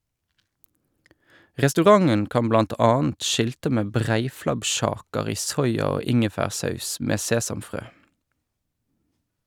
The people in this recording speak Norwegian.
Restauranten kan blant annet skilte med breiflabbkjaker i soya- og ingefærsaus med sesamfrø.